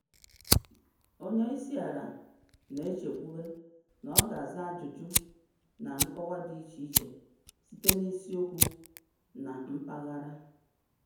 Onyeisiala na-echekwube na ọ ga-aza ajụjụ na nkọwa dị iche iche site n'isi okwu na mpaghara.